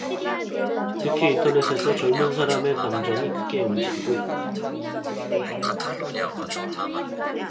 특히 인터넷에서 젊은 사람의 감정이 크게 움직이고 있다